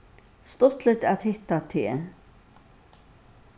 stuttligt at hitta teg